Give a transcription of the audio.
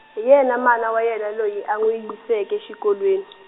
hi yena mana wa yena loyi a n'wi yiseke xikolweni.